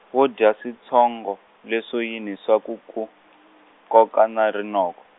wo dya switshongo leswo yini swa ku ku , koka na rinoko?